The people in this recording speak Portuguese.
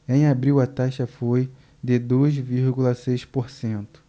em abril a taxa foi de dois vírgula seis por cento